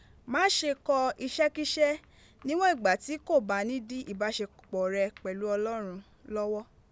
Masẹ̀ kọ iṣẹ́kíṣẹ́ níwọ̀n ìgbà tí kò bá ní dí ìbáṣepọ̀ rẹ pẹ̀lú Ọlọ́run lọ́wọ́.